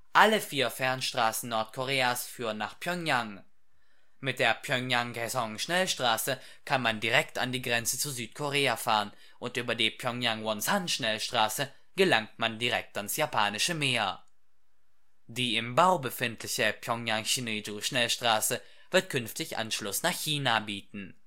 Alle vier Fernstraßen Nordkoreas führen nach Pjöngjang. Mit der Pjöngjang-Kaesŏng-Schnellstraße kann man direkt an die Grenze zu Südkorea fahren und über die Pjöngjang-Wŏnsan-Schnellstraße gelangt man direkt an das Japanische Meer. Die im Bau befindliche Pjöngjang-Sinŭiju-Schnellstraße wird künftig Anschluss nach China bieten